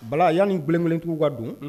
Bala yanan ni bilenkelentigiw ka don